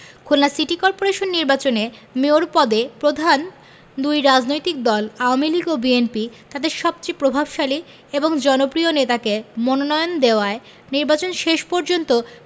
Khulna city corporation নির্বাচনে mayor পদে প্রধান দুই রাজনৈতিক দল আওয়ামী লীগ ও বিএনপি তাদের সবচেয়ে প্রভাবশালী ও জনপ্রিয় নেতাকে মনোনয়ন দেওয়ায় নির্বাচন শেষ পর্যন্ত